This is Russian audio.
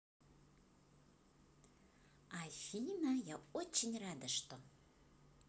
афина я очень рада что